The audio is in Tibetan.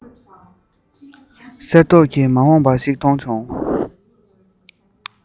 གསེར མདོག གི མ འོངས པ ཞིག མཐོང བྱུང